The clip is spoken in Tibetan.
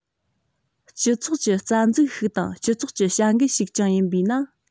སྤྱི ཚོགས ཀྱི རྩ འཛུགས ཤིག དང སྤྱི ཚོགས ཀྱི བྱ འགུལ ཞིག ཀྱང ཡིན པས ན